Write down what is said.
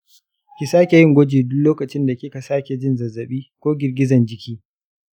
kisake yin gwaji duk lokacin da kika sake jin zazzabi ko girgizan jiki.